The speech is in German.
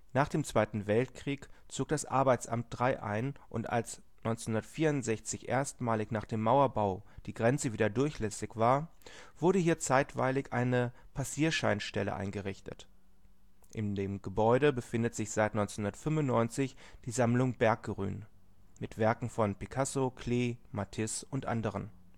Nach dem Zweiten Weltkrieg zog das Arbeitsamt III ein und als 1964 erstmalig nach dem Mauerbau die Grenze wieder durchlässig war, wurde hier zeitweilig eine Passierscheinstelle eingerichtet. In dem Gebäude befindet sich seit 1995 die Sammlung Berggruen (mit Werken von Picasso, Klee, Matisse und anderen